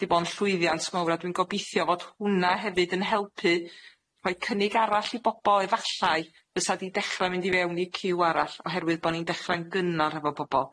'Di bo'n llwyddiant mawr, a dwi'n gobeithio fod hwn'na hefyd yn helpu rhoi cynnig arall i bobol efallai fysa 'di dechre mynd i fewn i ciw arall oherwydd bo' ni'n dechre'n gynnar efo bobol.